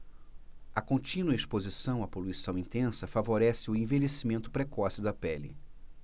a contínua exposição à poluição intensa favorece o envelhecimento precoce da pele